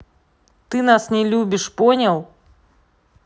ты нас не любишь понял